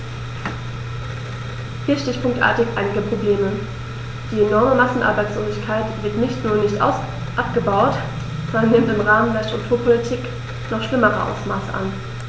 Hier stichpunktartig einige Probleme: Die enorme Massenarbeitslosigkeit wird nicht nur nicht abgebaut, sondern nimmt im Rahmen der Strukturpolitik noch schlimmere Ausmaße an.